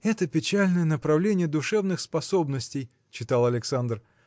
Это печальное направление душевных способностей – читал Александр